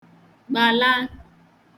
gbàla